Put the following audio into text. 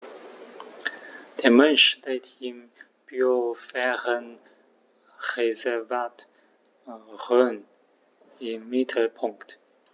Der Mensch steht im Biosphärenreservat Rhön im Mittelpunkt.